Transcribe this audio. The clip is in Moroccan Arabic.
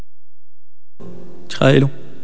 ايوه